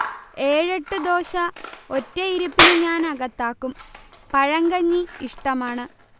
ഏഴെട്ട് ദോശ ഒറ്റയിരുപ്പിനു ഞാൻ അകത്താക്കും, പഴങ്കഞ്ഞി ഇഷ്ടമാണ്